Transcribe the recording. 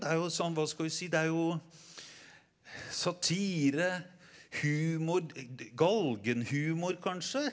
det er jo sånn hva skal vi si det er jo satire, humor, galgenhumor kanskje.